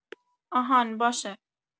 آهان باشه